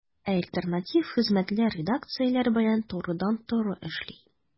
Ә альтернатив хезмәтләр редакцияләр белән турыдан-туры эшли.